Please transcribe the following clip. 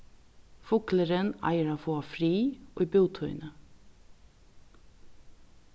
fuglurin eigur at fáa frið í bútíðini